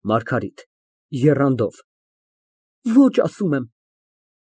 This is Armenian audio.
ՄԱՐԳԱՐԻՏ ֊ (Եռանդով) Ոչ, ասում եմ։